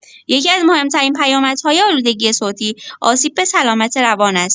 یکی‌از مهم‌ترین پیامدهای آلودگی صوتی، آسیب به سلامت روان است.